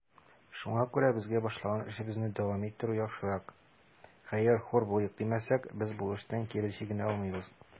Шуңа күрә безгә башлаган эшебезне дәвам иттерү яхшырак; хәер, хур булыйк димәсәк, без бу эштән кире чигенә дә алмыйбыз.